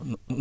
waaw